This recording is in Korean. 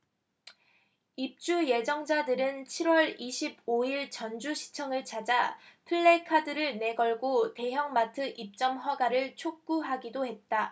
입주 예정자들은 칠 월 이십 오 일 전주시청을 찾아 플래카드를 내걸고 대형마트 입점 허가를 촉구하기도 했다